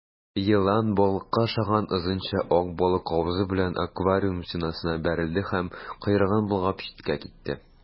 Елан балыкка охшаган озынча ак балык авызы белән аквариум стенасына бәрелде һәм, койрыгын болгап, читкә китте.